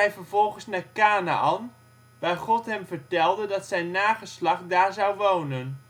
vervolgens naar Kanaän, waar God hem vertelde dat zijn nageslacht daar zou wonen